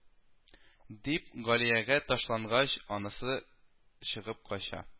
Дип галиягә ташлангач, анысы чыгып кача